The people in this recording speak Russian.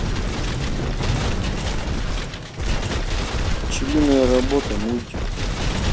пчелиная работа мультик